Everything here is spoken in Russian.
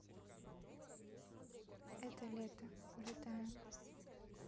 это лето улетаем